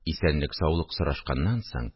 Исәнлек-саулык сорашканнан